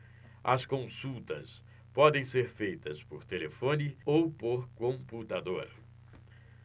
as consultas podem ser feitas por telefone ou por computador